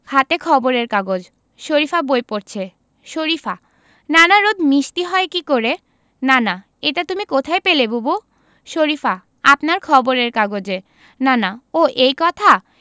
হাতে খবরের কাগজ শরিফা বই পড়ছে শরিফা নানা রোদ মিষ্টি হয় কী করে নানা এটা তুমি কোথায় পেলে বুবু শরিফা আপনার খবরের কাগজে নানা ও এই কথা